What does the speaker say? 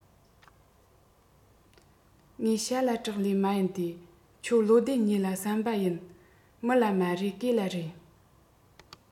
ངེད བྱ ལ སྐྲག ལེ མ ཡིན ཏེ ཁྱོད བློ ལྡན གཉིས ལ བསམས པ ཡིན མི ལ མ རེ གོས ལ རེ